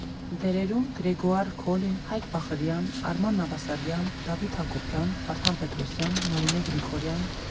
Դերերում՝ Գրեգոար Քոլին, Հայկ Բախրյան, Արման Նավասարդյան, Դավիթ Հակոբյան, Վարդան Պետրոսյան, Նարինե Գրիգորյան։